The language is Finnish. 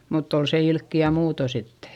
mutta on se ilkeä muuten sitten